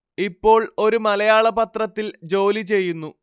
ഇപ്പോൾ ഒരു മലയാള പത്രത്തിൽ ജോലി ചെയ്യുന്നു